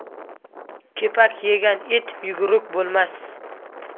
kepak yegan it yuguruk bo'lmas